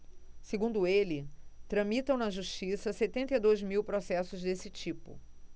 segundo ele tramitam na justiça setenta e dois mil processos desse tipo